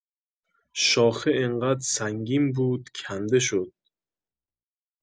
شاخه انقدر سنگین بود کنده شد